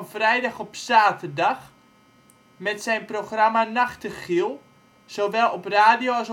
vrijdag op zaterdag met zijn programma Nachtegiel (zowel op radio